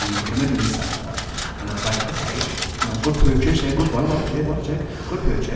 O'n i'n mynd i cymryd nhw i 'Steddfod, and I was like, ok, you know good purchase here, good boy, ware teg ware teg, good purchase.